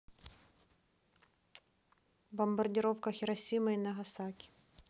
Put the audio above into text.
бомбардировка хиросима и нагасаки